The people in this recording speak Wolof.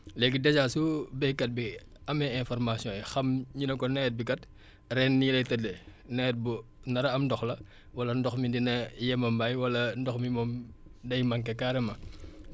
léegi dèjà su béykat bi amee information yi xam ñu ne ko nawet bi kat ren nii lay tëddee nawet bu nar a am ndox la wala ndox mi dina yemambaay wala ndox mi moom day manqué carrément